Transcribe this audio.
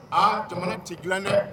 Aa jamana tɛ dilan dɛ